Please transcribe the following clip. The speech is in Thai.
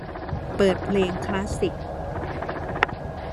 เปิดเพลงคลาสสิก